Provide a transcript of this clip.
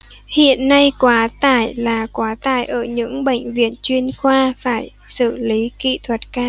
hiện nay quá tải là quá tải ở những bệnh viện chuyên khoa phải xử lý kỹ thuật cao